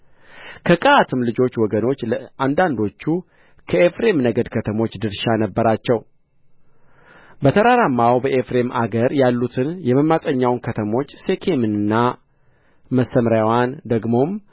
ከቀዓትም ልጆች ወገኖች ለአንዳንዶቹ ከኤፍሬም ነገድ ከተሞች ድርሻ ነበራቸው በተራራማው በኤፍሬም አገር ያሉትን የመማፀኛውን ከተሞች ሴኬምንና መሰምርያዋን ደግሞም